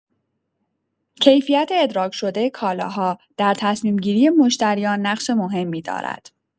کیفیت ادراک‌شده کالاها در تصمیم‌گیری مشتریان نقش مهمی دارد.